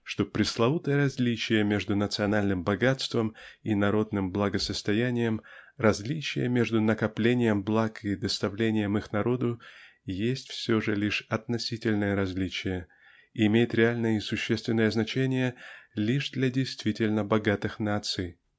что пресловутое различие между "национальным богатством" и "народным благосостоянием" -- различие между накоплением благи доставлением их народу--есть все же лишь относительное различие и имеет реальное и существенное значение лишь для действительно богатых наций